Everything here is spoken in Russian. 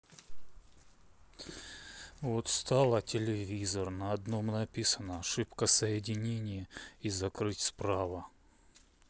вот стало телевизор на одном написано ошибка соединения и закрыть справа